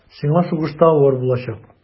Сиңа сугышта авыр булачак.